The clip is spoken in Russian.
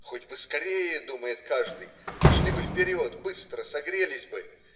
Хоть бы скорее, думает каждый, пошли бы вперед, быстро, согрелись бы.